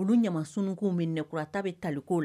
Olu ɲamaskun bɛkura ta bɛ tako la